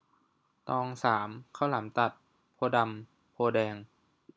ตองสามข้าวหลามตัดโพธิ์ดำโพธิ์แดง